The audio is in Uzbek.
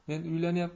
men uylanyapman